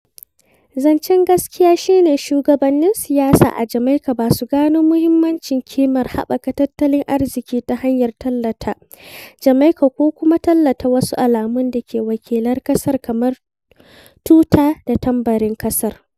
Zancen gaskiya shi ne shugabannin siyasa a Jamaika ba su gano muhimmancin ƙimar haɓaka tattalin arziƙi ta hanyar tallata "Jamaika" ko kuma tallata wasu alamu da ke "wakiltar" ƙasar kamar tuta da tambarin ƙasar.